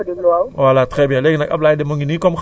waaw dañoo dañ ñu dañ ñoo joxoon kii bi